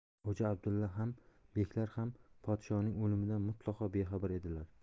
xo'ja abdulla ham beklar ham podshohning o'limidan mutlaqo bexabar edilar